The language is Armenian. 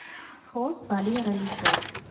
Խոզ՝ բալի ռելիշով։